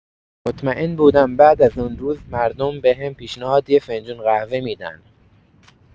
مطمئن بودم بعد از اون روز، مردم بهم پیشنهاد یه فنجون قهوه می‌دن